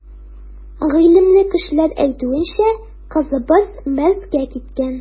Гыйлемле кешеләр әйтүенчә, кызыбыз мәрткә киткән.